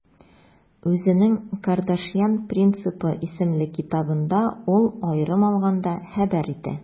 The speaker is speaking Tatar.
Үзенең «Кардашьян принципы» исемле китабында ул, аерым алганда, хәбәр итә: